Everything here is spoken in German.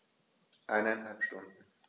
Eineinhalb Stunden